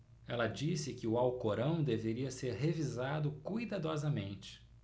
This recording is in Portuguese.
ela disse que o alcorão deveria ser revisado cuidadosamente